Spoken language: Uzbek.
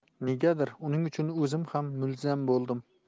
negadir uning uchun o'zim ham mulzam bo'ldim